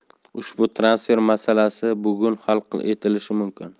ushbu transfer masalasi bugun hal etilishi mumkin